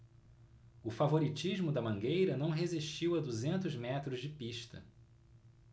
o favoritismo da mangueira não resistiu a duzentos metros de pista